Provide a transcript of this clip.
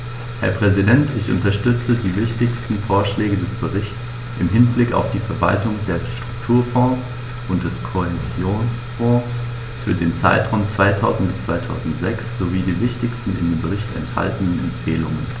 Herr Präsident, ich unterstütze die wichtigsten Vorschläge des Berichts im Hinblick auf die Verwaltung der Strukturfonds und des Kohäsionsfonds für den Zeitraum 2000-2006 sowie die wichtigsten in dem Bericht enthaltenen Empfehlungen.